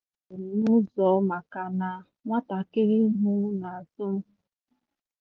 "Alọghachitere m n'ụzọ maka na nwatakịrị nwụrụ n'azụ m."